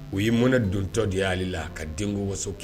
U ye mɔnɛ dontɔ de y'ale la ka denko waso kɛ